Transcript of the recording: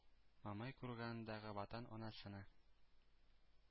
Мамай курганындагы “Ватан-Ана” сыны